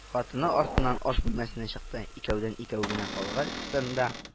Хатыны артыннан аш бүлмәсенә чыкты. икәүдән-икәү генә калгачтын да